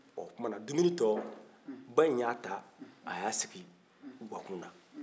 ɔ o tuma na dumini tɔ ba in y'a ta a y'a sigi gakun na